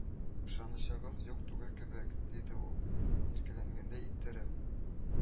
Ышанычыгыз юк түгел кебек…—диде ул иркәләнгәндәй иттереп